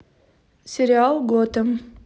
сериал готэм